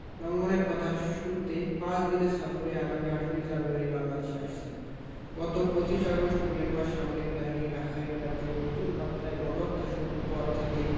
লঙ্ঘনের কথা শুনতে পাঁচ দিনের সফরে আগামী ১৮ই জানুয়ারি বাংলাদেশে আসছেন গত ২৫ আগস্ট মিয়ানমার সামরিক বাহিনী রাখাইন রাজ্যে নতুন মাত্রায় গণহত্যা শুরুর পর থেকে